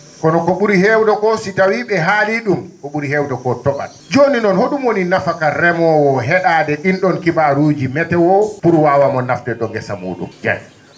kono ko ?uri heewde ko si tawii ?e kaalii ?uum ko ?uri heewde koo to?at jooni hol?um woni nafaka demoowo he?aade ?iin ?oon kibaaruuji météo pour waawamo nafde ?o ngesa mu?um Dieng